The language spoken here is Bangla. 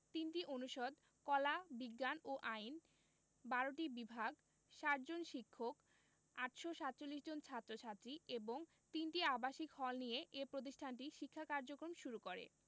৩টি অনুষদ কলা বিজ্ঞান ও আইন ১২টি বিভাগ ৬০ জন শিক্ষক ৮৪৭ জন ছাত্র ছাত্রী এবং ৩টি আবাসিক হল নিয়ে এ প্রতিষ্ঠানটি শিক্ষা কার্যক্রম শুরু করে